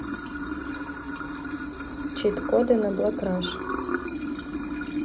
чит коды на black russia